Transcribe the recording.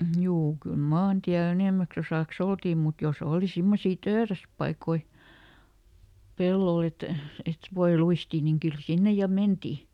juu kyllä maantiellä enimmäksi osaksi oltiin mutta jos oli semmoisia töyräspaikkoja pellolla että että voi luistia niin kyllä sinne ja mentiin